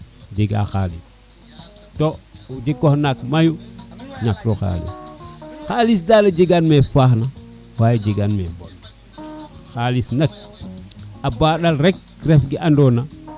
jega xalis to jikoox naak mayu ñakiro xalis xalis daal a jegan me faax na xalis jegan me bon na xalis nak a ɓada le rek ref ke andona